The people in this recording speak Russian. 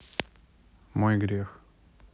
мой грех